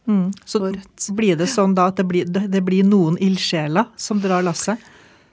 så blir det sånn da at det blir det blir noen ildsjeler som drar lasset?